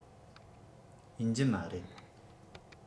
ཡིན རྒྱུ མ རེད